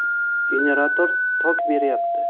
generatortok beryapti